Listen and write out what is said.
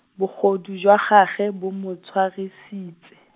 bogodu jwa gagwe bo mo tshwarisitse.